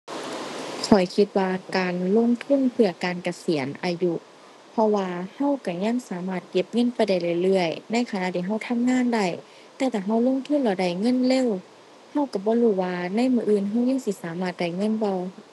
ข้อยคิดว่าการลงทุนเพื่อการเกษียณอายุ เพราะว่าเราเรายังสามารถเก็บเงินไปได้เรื่อยเรื่อย ในขณะที่เราทำงานได้ แต่ถ้าเราลงทุนแล้วได้เงินเร็ว เราเราบ่รู้ว่าในมื้ออื่นเรายังสิสามารถได้เงินบ่